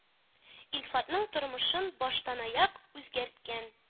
Илфатның тормышын баштанаяк үзгәрткән